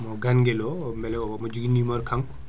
mo Ganguel beele omo joogui numéro kanko